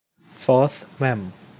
โฟธแหม่ม